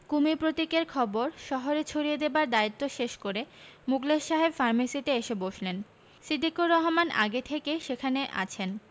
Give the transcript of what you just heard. কুমীর প্রতীকের খবর শহরে ছড়িয়ে দেবার দায়িত্ব শেষ করে মুখলেস সাহেব ফার্মেসীতে এসে বসলেন সিদ্দিকুর রহমনি আগে থেকেই সেখানে আছেন